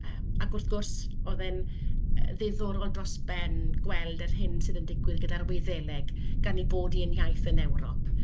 yym ac wrth gwrs oedd e'n ddiddorol dros ben gweld yr hyn sydd yn digwydd gyda'r Wyddeleg gan ei bod hi'n iaith yn Ewrop.